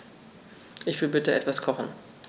Ich will bitte etwas kochen.